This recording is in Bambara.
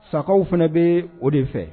Sankaw fana bɛ o de fɛ.